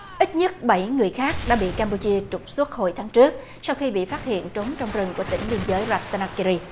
ít nhất bảy người khác đã bị cam pu chia trục xuất hồi tháng trước sau khi bị phát hiện trốn trong rừng của tỉnh biên giới ra ta na ki ri